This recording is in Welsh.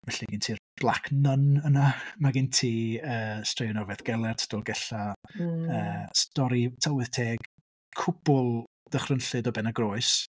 Felly gen ti'r black nun yna. Mae gen ti yy straeon o Feddgelert, Dolgellau... mm. ...stori tylwyth teg cwbl ddychrynllyd o Ben y Groes.